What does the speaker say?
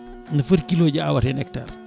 no footi kilo ji awata hen hectare